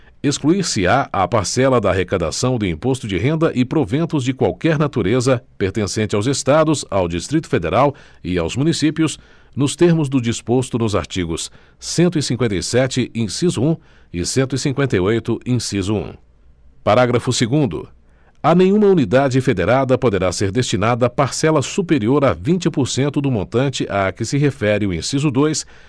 excluir se á a parcela da arrecadação do imposto de renda e proventos de qualquer natureza pertencente aos estados ao distrito federal e aos municípios nos termos do disposto nos artigos cento e cinquenta e sete inciso um e cento e cinquenta e oito inciso um parágrafo segundo a nenhuma unidade federada poderá ser destinada parcela superior a vinte por cento do montante a que se refere o inciso dois